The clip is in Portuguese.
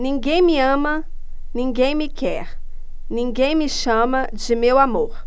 ninguém me ama ninguém me quer ninguém me chama de meu amor